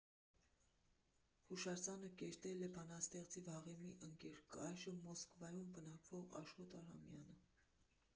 Հուշարձանը կերտել է բանաստեղծի վաղեմի ընկեր, այժմ Մոսկվայում բնակվող Աշոտ Արամյանը։